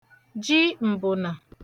ji m̀bụ̀nà